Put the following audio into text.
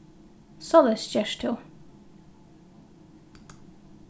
soleiðis gert tú